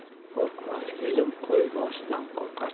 qo'rqmas kelin qo'y boshidan qo'rqar